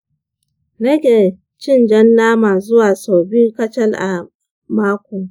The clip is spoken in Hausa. rage cin jan nama zuwa sau biyu kacal a mako.